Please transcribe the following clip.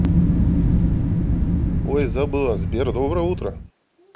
ой забыла сбер доброе утро